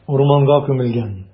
Урманга күмелгән.